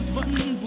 vẫn